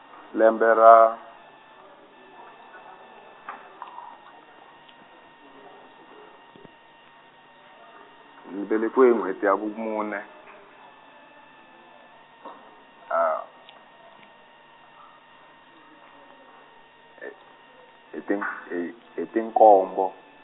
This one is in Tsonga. lembe ra , ni velekiwe hi n'wheti ya vumune , h- heti n-, h-, heti nkombo.